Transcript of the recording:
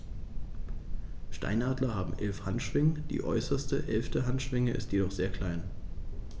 Steinadler haben 11 Handschwingen, die äußerste (11.) Handschwinge ist jedoch sehr klein.